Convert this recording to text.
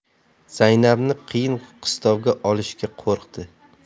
zaynabni qiyin qistovga olishga qo'rqdi